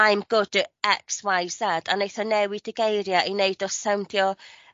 I'm good at ex why zed a neith e newid y geirie i neud o sowndio